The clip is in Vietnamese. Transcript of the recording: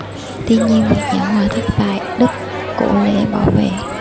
tuy nhiên việc giảng hòa thất bại đức cổ lễ bỏ về